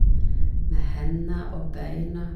Med henda og beina.